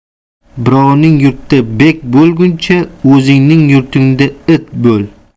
birovning yurtida bek bo'lguncha o'zingning yurtingda it bo'l